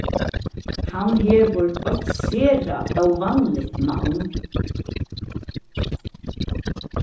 hann hevur eitt sera óvanligt navn